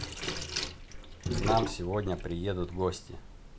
к нам сегодня приедут гости